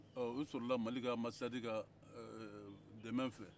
o sɔrɔ la mali ka anbasadi ka dɛmɛ fɛ